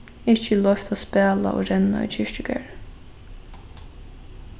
ikki er loyvt at spæla og renna í kirkjugarði